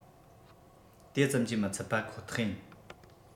དེ ཙམ གྱིས མི ཚད པ ཁོ ཐག ཡིན